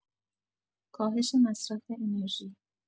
کاهش مصرف انرژی